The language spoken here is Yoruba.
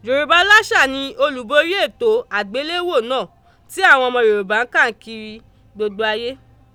Yorùbá láṣà ni olúborí ètò àgbéléwò náà tí àwọn ọmọ Yorùbá káàkiri gbogbo ayé.